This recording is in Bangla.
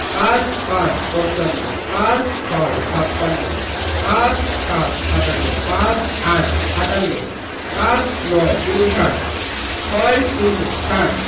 ৫৫ পঞ্চান্ন ৫৬ ছাপ্পান্ন ৫৭ সাতান্ন ৫৮ আটান্ন ৫৯ ঊনষাট ৬০ ষাট